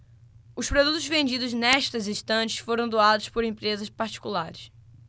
os produtos vendidos nestas estantes foram doados por empresas particulares